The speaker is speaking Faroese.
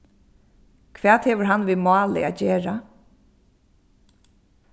hvat hevur hann við málið at gera